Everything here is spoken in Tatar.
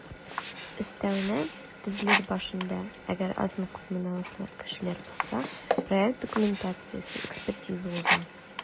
Өстәвенә, төзелеш барышында - әгәр азмы-күпме намуслы кешеләр булса - проект документациясе экспертиза уза.